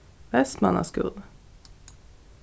vestmanna skúli